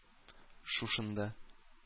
Шушында